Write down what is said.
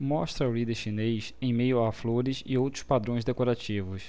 mostra o líder chinês em meio a flores e outros padrões decorativos